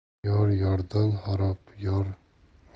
yor yordan xarob